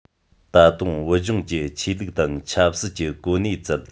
ད དུང བོད ལྗོངས ཀྱི ཆོས ལུགས དང ཆབ སྲིད ཀྱི གོ གནས བསྩལ